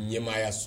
Ɲɛmaa y'a sɔn